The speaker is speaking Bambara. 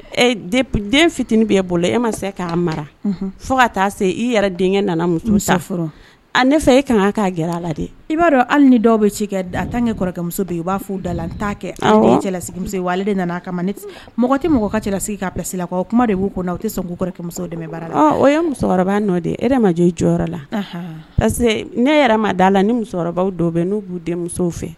Den fitinin bɛ e bolo e ma se k'a mara fo ka taa se i yɛrɛ denkɛ nana muso sa ne fɛ e kan kan'a g a la dɛ i b'a dɔn hali ni dɔw bɛ ci kɛ a tan kɛ kɔrɔkɛmuso i b'a fɔ da la n' kɛ cɛlamuso ye wa ale nana a kama ne mɔgɔ tɛ mɔgɔ ka cɛla sigi ka psi la o kuma de' o tɛ sɔn kɔrɔkɛmuso dɛmɛ bara la o ye musokɔrɔba e ma jɔ i jɔyɔrɔ la parce que ne yɛrɛ ma da la ni musokɔrɔba bɛ n'u b'u denmuso fɛ